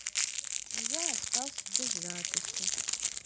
но я остался без записи